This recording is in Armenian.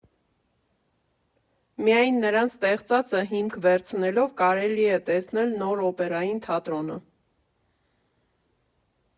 Միայն նրանց ստեղծածը հիմք վերցնելով կարելի է տեսնել նոր Օպերային թատրոնը։